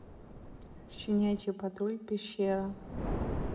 щенячий патруль пещера